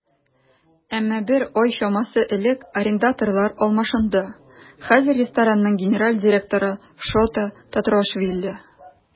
Әмма бер ай чамасы элек арендаторлар алмашынды, хәзер ресторанның генераль директоры Шота Тетруашвили.